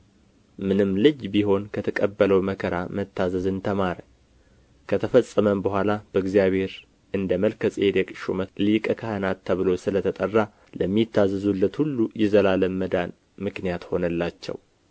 ምንም ልጅ ቢሆን ከተቀበለው መከራ መታዘዝን ተማረ ከተፈጸመም በኋላ በእግዚአብሔር እንደ መልከ ጼዴቅ ሹመት ሊቀ ካህናት ተብሎ ስለ ተጠራ ለሚታዘዙለት ሁሉ የዘላለም መዳን ምክንያት ሆነላቸው